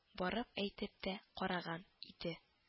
Барып әйтеп тә караган иде